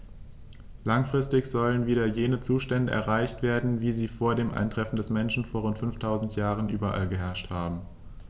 Langfristig sollen wieder jene Zustände erreicht werden, wie sie vor dem Eintreffen des Menschen vor rund 5000 Jahren überall geherrscht haben.